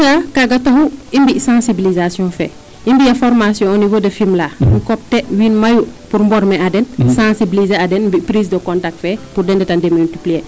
dejas kaaga taxu i mbi sensiblisation fee i mbiya formation a nivau de Fimela ŋota wiin mayu pour former a den sensibliser a den mbi prise de contact fee pour de ndet a demultiplier